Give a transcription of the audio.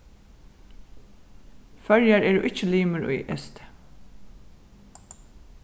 føroyar eru ikki limur í st